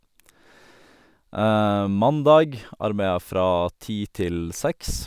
Mandag arbeida jeg fra ti til seks.